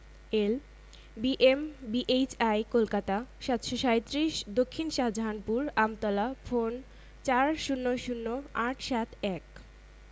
L B M B H I Kolkata ৭৩৭ দক্ষিন Shahjahanpur Amtala phone ৪০০৮৭১